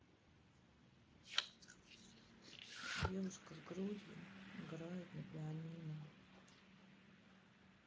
девушка с грудью играет на пианино